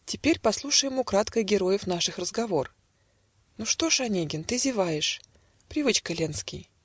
Теперь подслушаем украдкой Героев наших разговор: - Ну что ж, Онегин? ты зеваешь. - "Привычка, Ленский".